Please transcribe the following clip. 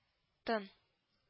Тын